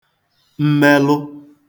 mmelụ